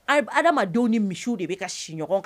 A adamadenw de ni misiw de bɛ ka si ɲɔgɔn kan!